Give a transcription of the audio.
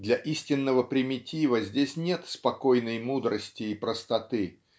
для истинного примитива здесь нет спокойной мудрости и простоты.